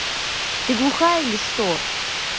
ты глухая или что